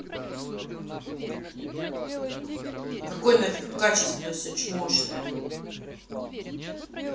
какой нафиг качественное все чмошное